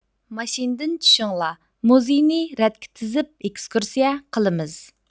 ماشىنىدىن چۈشۈڭلار مۇزىينى رەتكە تىزىلىپ ئىكىسكۇرسىيە قىلىمىز